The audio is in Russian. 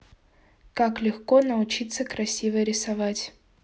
как легко научиться красиво рисовать